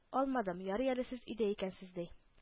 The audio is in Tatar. Алмадым, ярый әле сез өйдә икәнсез, ди